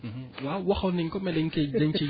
waaw waxoon nañu ko mais mais dañ koy dañ ciy